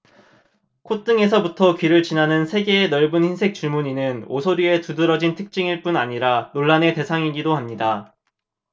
콧등에서부터 귀를 지나는 세 개의 넓은 흰색 줄무늬는 오소리의 두드러진 특징일 뿐 아니라 논란의 대상이기도 합니다